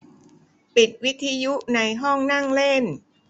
ปิดวิทยุในห้องนั่งเล่น